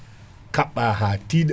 kabɓe ha tiɗa